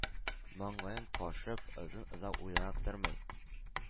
Маңгаен кашып, озын-озак уйланып тормый.